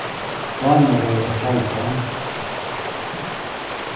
dámar tær at tjalda